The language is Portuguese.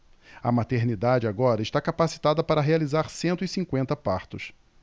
a maternidade agora está capacitada para realizar cento e cinquenta partos